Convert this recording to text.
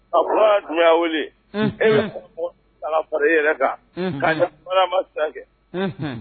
A fɔra dun' wele e bɛ bala fari yɛrɛ kan kama sɛnɛ